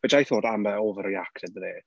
Which I thought Amber overreacted there.